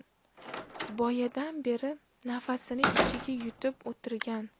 boyadan beri nafasini ichiga yutib o'tirgan